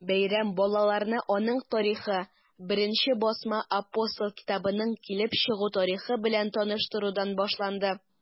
Бәйрәм балаларны аның тарихы, беренче басма “Апостол” китабының килеп чыгу тарихы белән таныштырудан башланды.